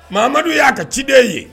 Mamadu y'a ka ciden ye